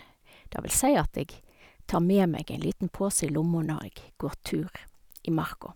Det vil si at jeg tar med meg en liten pose i lomma når jeg går tur i marka.